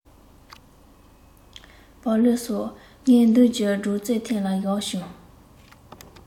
བག ལེབ སོགས ངའི མདུན གྱི སྒྲོག ཙེའི ཐོག ལ བཞག བྱུང